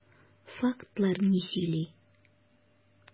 Фактлар ни сөйли?